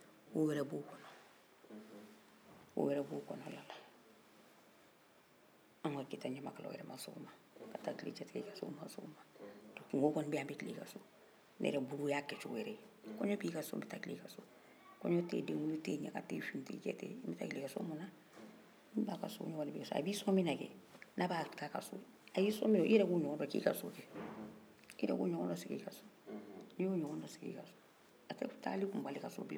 kɔɲɔ b'i ka so n bɛ taa tilen i ka so kɔɲɔ tɛ yen denkunli tɛ yen ɲaga tɛ yen fin tɛ yen jɛ tɛ yen n bɛ taa tilen i ka so mun na inaudible a b'i sɔn minna kɛ n'a b'a ta a ka so a y'i sɔn minna i yɛrɛ k'o ɲɔgɔn dɔ k'i ka so ke i yɛrɛ k'o ɲɔgɔn dɔ sigi i ka so n'i y'o ɲɔgɔn dɔ sigi i ka so a te taali kun b'ala ka so bilen wo anw kɔnin ka tunkaraw ma sɔn a ma